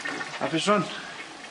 Apus rŵan?